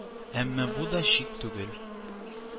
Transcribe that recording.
Әмма бу да чик түгел